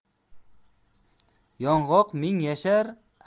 yong'oq ming yashar